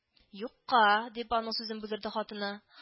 —юкка,—дип аның сүзен бүлдерде хатыны